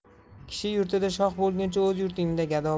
kishi yurtida shoh bo'lguncha o'z yurtingda gado bo'l